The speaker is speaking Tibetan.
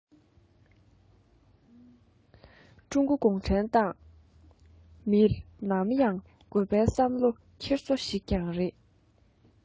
ཀྲུང གོའི གུང ཁྲན ཏང མིར ནམ ཡང དགོས པའི བསམ པའི འཁྱེར སོ ཞིག ཀྱང རེད